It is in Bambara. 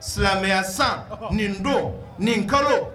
Silamɛya san nin don nin kalo